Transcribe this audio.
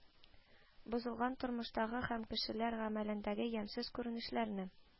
Бозылган тормыштагы һәм кешеләр гамәлендәге ямьсез күренешләрне